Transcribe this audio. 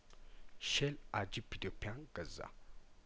ሼል አጂፕ ኢትዮጵያን ገዛ